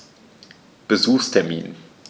Besuchstermin